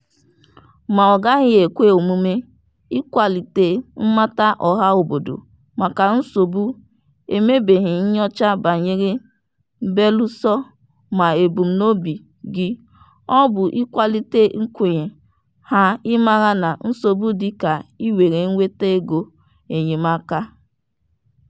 ma ọgaghị ekwe omume ịkwalite mmata ọhaobodo maka nsogbu emebeghị nnyocha banyere, belụsọ ma ebumnobi gị ọ bụ ịkwalite nkwenye ha ị mara na nsogbu dị ka iwere nweta ego enyemaaka.